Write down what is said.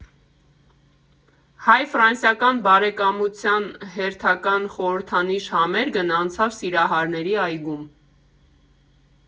Հայ֊ֆրանսիական բարեկամության հերթական խորհրդանիշ համերգն անցավ Սիրահարների այգում։